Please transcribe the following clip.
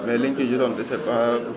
mais li nga si jotoon a dese mbaa